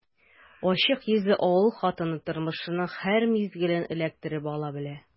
Ачык йөзле авыл хатыны тормышның һәр мизгелен эләктереп ала белә.